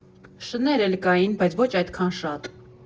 Շներ էլ կային, բայց ոչ այդքան շատ։